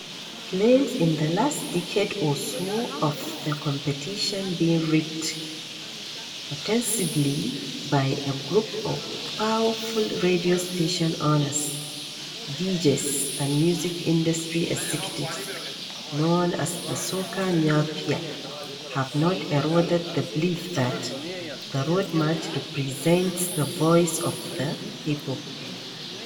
Claims in the last decade or so of the competition being rigged — ostensibly by a group of powerful radio station owners, DJs and music industry executives known as the "soca mafia" — have not eroded the belief that the Road March represents the voice of the people.